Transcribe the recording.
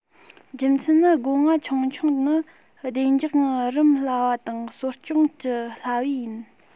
རྒྱུ མཚན ནི སྒོ ང ཆུང ཆུང ནི བདེ འཇགས ངང རུམ སླ བ དང གསོ སྐྱོང བགྱི སླ བས ཡིན